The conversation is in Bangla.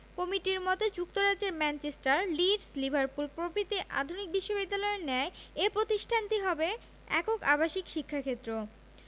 কমিটির মতে যুক্তরাজ্যের ম্যানচেস্টার লিডস লিভারপুল প্রভৃতি আধুনিক বিশ্ববিদ্যালয়ের ন্যায় এ প্রতিষ্ঠানটি হবে একক আবাসিক শিক্ষাক্ষেত্র